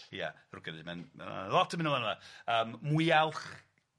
Ia ddrwg gen i mae'm ma' 'na lot yn myn' ymlan yma. Yym mwyalch